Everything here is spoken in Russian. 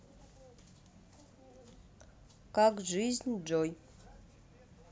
как жизнь джой